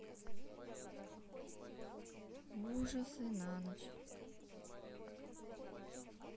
ужасы на ночь